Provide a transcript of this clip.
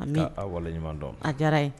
Amii ka a' waleɲuman dɔn a diyara an ye